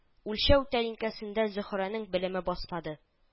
Үлчәү тәлинкәсендә зөһрәнең белеме басмады